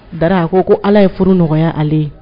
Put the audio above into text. Dara a ko ko Ala ye furu nɔgɔya ale ye.